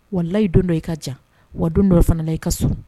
Walayi don dɔ i ka jan wa don dɔ fana i ka sourun